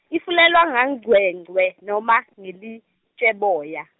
Ifulelwa ngangcwengcwe, noma ngelitjeboya?